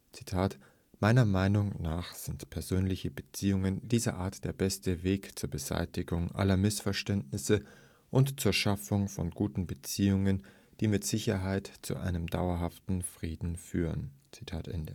‘.‚ Meiner Meinung nach sind persönliche Begegnungen dieser Art der beste Weg zur Beseitigung aller Missverständnisse und zur Schaffung von guten Beziehungen, die mit Sicherheit zu einem dauerhaften Frieden führen. ‘Als